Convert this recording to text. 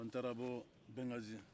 n taara bɔ bɛnkazi